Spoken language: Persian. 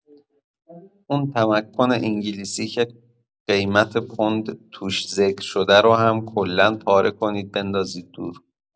اون تمکن انگلیسی که قیمت پوند توش ذکر شده رو هم کلا پاره کنید بندازید دور.